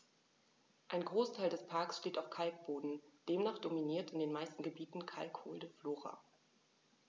Ein Großteil des Parks steht auf Kalkboden, demnach dominiert in den meisten Gebieten kalkholde Flora.